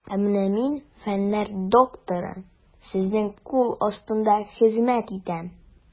Ә менә мин, фәннәр докторы, сезнең кул астында хезмәт итәм.